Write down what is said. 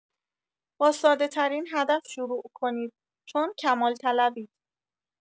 با ساده‌‌ترین هدف شروع کنید چون کمال‌طلبید.